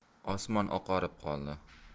osmon oqarib qoldi